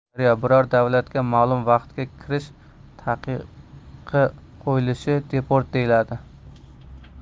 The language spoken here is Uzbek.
daryo biror davlatga ma'lum vaqtga kirish taqiqi qo'yilishi deport deyiladi